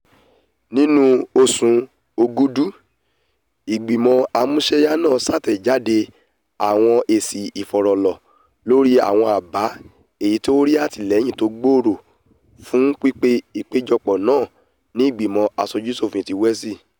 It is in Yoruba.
Nínú oṣù Òkúdu, Igbimọ Amuṣẹṣe náà ṣatẹjade awọn èsì ifọrọlọ lórí awọn àbá èyí ti ó rí atilẹyin tó gbòòrò fún pípe ipejọpọ náà ní Igbimọ Aṣoju-ṣofin ti Welsh.